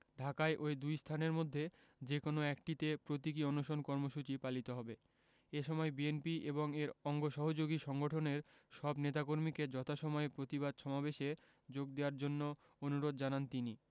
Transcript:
ঢাকায় ওই দুই স্থানের মধ্যে যেকোনো একটিতে প্রতীকী অনশন কর্মসূচি পালিত হবে এ সময় বিএনপি এবং এর অঙ্গ সহযোগী সংগঠনের সব নেতাকর্মীকে যথাসময়ে প্রতিবাদ সমাবেশে যোগ দেয়ার জন্য অনুরোধ জানান তিনি